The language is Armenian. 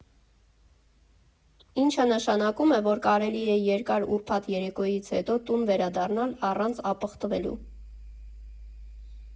Ինչը նշանակում է, որ կարելի է երկար ուրբաթ երեկոյից հետո տուն վերադառնալ առանց ապխտվելու։